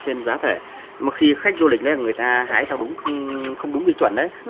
trên giá thể mà khi khách du lịch đấy người ta hái theo đúng ư không đúng quy chuẩn đấy